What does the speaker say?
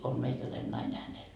on meikäläinen nainen hänellä